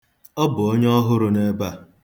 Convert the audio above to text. Ọ bụ onye ọhụrụ n'ebe a.